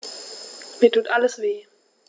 Mir tut alles weh.